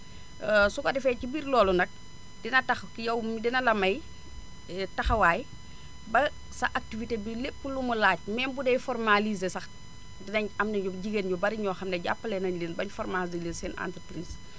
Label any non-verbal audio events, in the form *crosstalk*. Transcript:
*hesitation* su ko defee ci biir loolu nag dina tax yow mi dina la may *hesitation* taxawaay ba sa activité bi lépp lu mu laaj même budee formalisé sax dinañ am na jigéen ñu bari ñoo xam ne jàppale nañ leen ba ñu formalisé seen entreprises